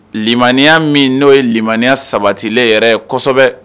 Maniya min n'o ye maniya sabatilen yɛrɛ ye kosɛbɛ